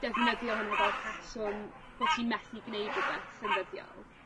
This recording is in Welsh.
defnyddio hwnna fel rheswm bo' ti methu gneud rhwbeth yn ddyddiol?